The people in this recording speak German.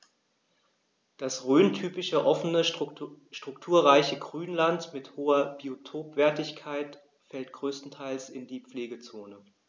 Das rhöntypische offene, strukturreiche Grünland mit hoher Biotopwertigkeit fällt größtenteils in die Pflegezone.